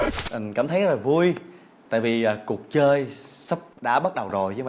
cảm thấy rất là vui tại vì cuộc chơi sắp đã bắt đầu rồi chứ